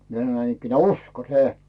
minä sanoin näinikään usko se